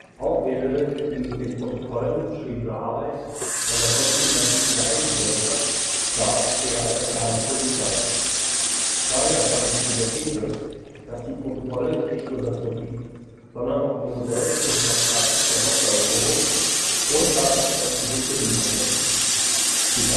Auch ähnele die in den Protokollen beschriebene Arbeit einer konspirativen Geheimgesellschaft stark der einer Geheimpolizei. Daher kam sie zu der These, dass die Protokolle nicht nur das Motiv, sondern auch ein Modell für Hitlers Praxis der Machteroberung und Herrschaftsausübung geliefert hätten: „ Die